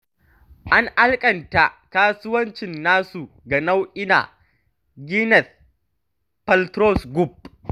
An alaƙanta kasuwancin nasu ga nau’i na Gwyneth Paltrow's Goop.